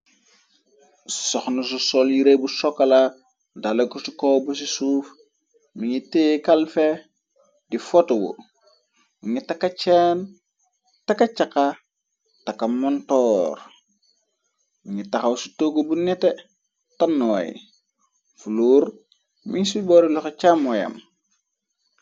Sohna su sol yire bu sokala, dale ko ci kow bu ci suuf mingi te kalpe di fotowo. Mungi taka caka taka montoor, mu taxaw ci togg bu nete tannooy flur min su boore lu ko chamooyam.